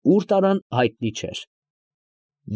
Ո՞ւր տարան, հայտնի չէր։